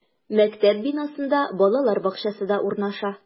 Мәктәп бинасында балалар бакчасы да урнаша.